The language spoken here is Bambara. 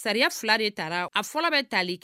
Sariya fila de taara a fɔlɔ bɛ taali kɛ